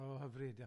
O hyfryd, ia.